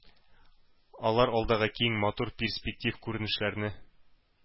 Алар алдагы киң, матур перспектив күренешләрне